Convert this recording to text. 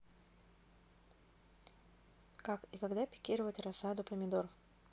как и когда пикировать рассаду помидор